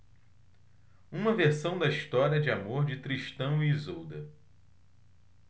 uma versão da história de amor de tristão e isolda